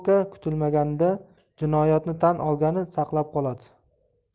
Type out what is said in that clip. mikolka kutilmaganda jinoyatni tan olgani saqlab qoladi